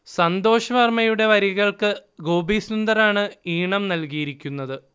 സന്തോഷ് വർമയുടെ വരികൾക്ക് ഗോപീ സുന്ദറാണ് ഈണം നൽകിയിരിക്കുന്നത്